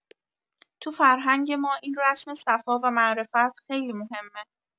تو فرهنگ ما این رسم صفا و معرفت خیلی مهمه.